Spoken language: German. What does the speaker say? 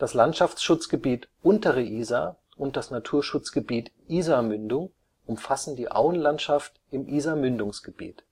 Landschaftsschutzgebiet „ Untere Isar “und das Naturschutzgebiet „ Isarmündung “umfassen die Auenlandschaft im Isarmündungsgebiet